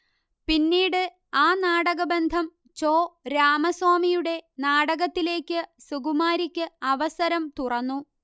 പിന്നീട് ആ നാടകബന്ധം ചോ രാമസ്വാമിയുടെ നാടകത്തിലേക്ക് സുകുമാരിക്ക് അവസരം തുറന്നു